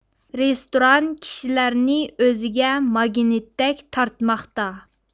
رېستوران كىشىلەرنى ئۆزىگە ماگنىتتەك تارتماقتا